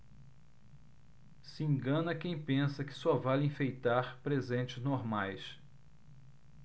se engana quem pensa que só vale enfeitar presentes normais